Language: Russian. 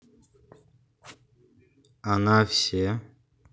она все